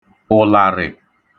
ụ̀làrị̀